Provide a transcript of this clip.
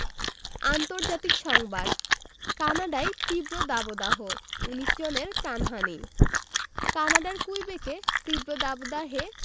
আন্তর্জাতিক সংবাদ কানাডায় তীব্র দাবদাহ ১৯ জনের প্রাণহানি কানাডার কুইবেকে তীব্র দাবদাহে